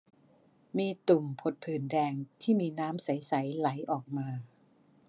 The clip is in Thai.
มีตุ่มผดผื่นแดงที่มีน้ำใสใสไหลออกมา